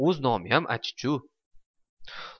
o'z nomiminam achchiq chuchuk